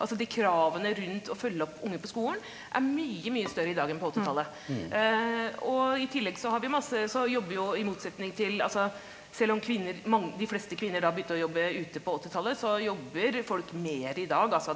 altså de kravene rundt å følge opp unger på skolen er mye mye større i dag enn på åttitallet og i tillegg så har vi masse så jobber jo i motsetning til altså selv om kvinner de fleste kvinner da begynte å jobbe ute på åttitallet så jobber folk mer i dag altså.